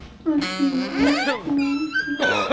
афина мне скучно